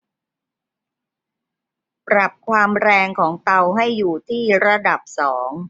ปรับความแรงของเตาให้อยู่ที่ระดับสอง